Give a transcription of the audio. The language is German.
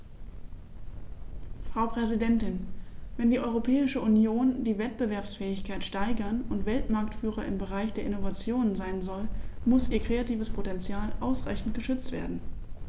Frau Präsidentin, wenn die Europäische Union die Wettbewerbsfähigkeit steigern und Weltmarktführer im Bereich der Innovation sein soll, muss ihr kreatives Potential ausreichend geschützt werden.